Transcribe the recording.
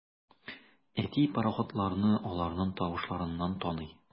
Әти пароходларны аларның тавышларыннан таный.